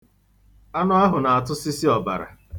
Anụ ahụ na-atụsịsị ọbara.